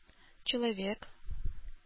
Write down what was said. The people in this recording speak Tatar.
Человек